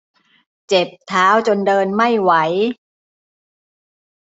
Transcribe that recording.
เจ็บเท้าจนเดินไม่ไหว